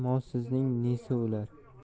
molsizning nesi o'lar